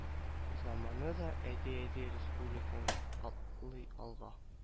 Заманны да әйди-әйди республикам атлый алга